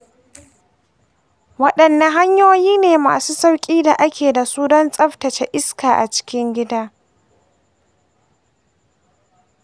waɗanne hanyoyi ne masu sauƙi da ake da su don tsaftace iska a cikin gida?